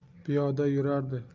piyoda yurardi